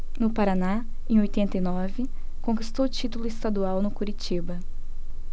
no paraná em oitenta e nove conquistou o título estadual no curitiba